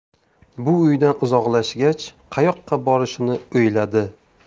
bu uydan uzoqlashgach qayoqqa borishini o'yladi